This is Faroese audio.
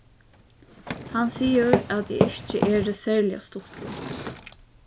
hann sigur at eg ikki eri serliga stuttlig